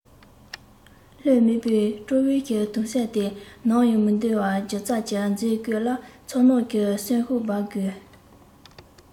ལྷོད མེད པའི སྤྲོ བའི དུངས སེམས དེ ནམ ཡང མི འདོར བར སྒྱུ རྩལ གྱི མཛེས བཀོད ལ ཚོར སྣང གི གསོན ཤུགས སྦར དགོས